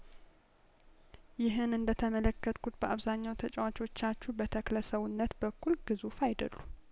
ይህን እንደተመለከትኩት በአብዛኛው ተጫዋቾቻችሁ በተክለሰውነት በኩል ግዙፍ አይደሉም